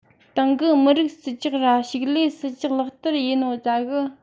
ཏང གིགམི རིགས སྲིད ཇུག ར ཕྱུགས ལས སྲིད ཇུས ལག བལྟར ཡས ནོ རྫ གི